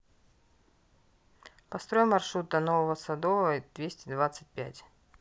построй маршрут до ново садовой двести двадцать пять